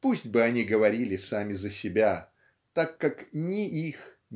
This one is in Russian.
пусть бы они говорили сами за себя так как ни их